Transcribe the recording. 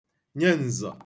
nye nzọ